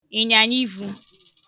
ị̀nyàyàivū